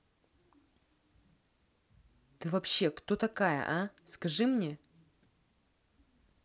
ты вообще кто такая а скажи мне